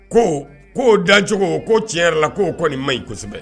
Ko kow dancogo ko tiɲɛ yɛrɛ la k'o kɔni man ɲi kosɛbɛ.